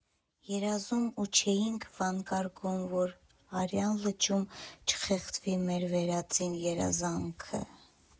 Երազում ու չէինք վանկարկում, որ արյան լճում չխեղդվի մեր վերածին երազանքը։